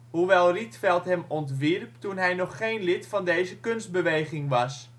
hoewel Rietveld hem ontwierp toen hij nog geen lid van deze kunstbeweging was